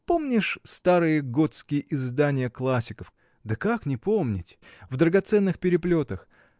Помнишь старые готские издания классиков (да как не помнить!) в драгоценных переплетах?